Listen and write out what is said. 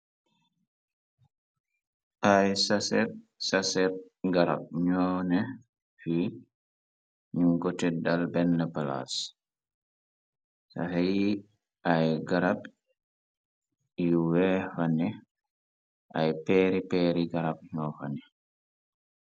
Ay sasé sasé garab ñoo ne fi ñing ko tèk ci benna palas sasé yi ay garab yu wèèx ño fa ne, ay pééri pééri garab ñoo fane.